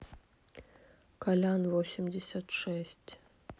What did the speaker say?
колян восемьдесят шесть